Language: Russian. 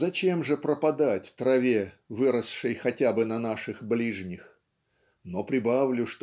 "Зачем же пропадать траве, выросшей хотя бы на наших ближних? Но прибавлю